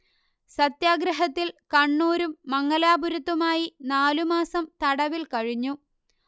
സത്യാഗ്രഹത്തിൽ കണ്ണൂരും മംഗലാപുരത്തുമായി നാലു മാസം തടവിൽ കഴിഞ്ഞു